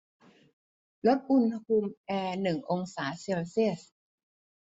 ลดอุณหภูมิแอร์หนึ่งองศาเซลเซียส